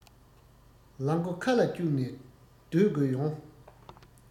ལག མགོ ཁ ལ བཅུག ནས སྡོད དགོས ཡོང